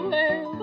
Hwyl!